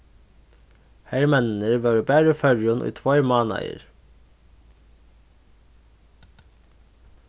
hermenninir vóru bara í føroyum í tveir mánaðir